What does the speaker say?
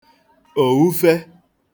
òufe